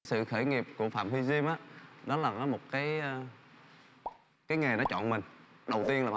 sự khởi nghiệp của pham huy dim á đó là nó một cái cái nghề nó chọn mình đầu tiên là